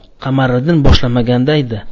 qamariddin boshlamagandaydi